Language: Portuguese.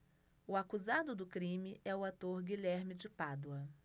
o acusado do crime é o ator guilherme de pádua